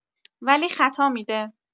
ولی خطا می‌ده